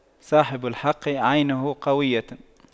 صاحب الحق عينه قوية